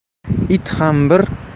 it ham bir